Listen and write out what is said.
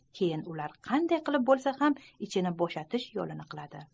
keyin ular qanday qilib bolsa ham ichini boshatish yolini qiladi